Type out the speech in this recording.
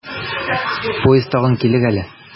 Поезд тагын килер әле.